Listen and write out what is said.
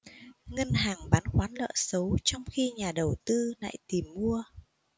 ngân hàng bán khoản nợ xấu trong khi nhà đầu tư lại tìm mua